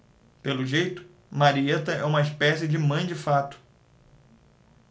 pelo jeito marieta é uma espécie de mãe de fato